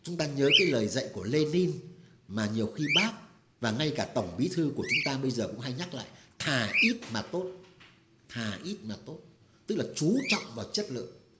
chúng ta nhớ cái lời dạy của lê nin mà nhiều khi bác và ngay cả tổng bí thư của chúng ta bây giờ cũng hay nhắc lại thà ít mà tốt thà ít mà tốt tức là chú trọng vào chất lượng